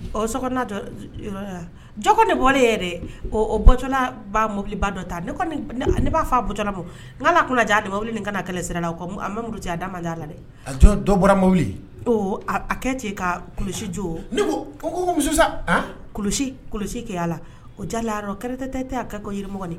Ɔ so yɔrɔ jɔ kɔni ne bɔralen yɛrɛ o bɔla mobiliba dɔ ta ne b'a fɔ a bola ma n la kunna jan mobili nin kana na kɛlɛ sira la a bɛ cɛ a daa ma la dɛ a dɔ bɔrabili a kɛ cɛ ka kunsi jo n ko kosa keya la o jayara kɛlɛ tɛ tɛ a ka kamɔgɔ